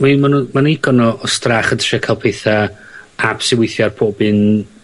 weud ma' nw... Ma' 'na igon o o strach yn trio ca'l petha aps i weithio ar pob un